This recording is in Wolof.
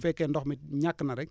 bu fekkee ndox mi ñàkk na rek